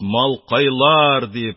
Малкайлар! - дип,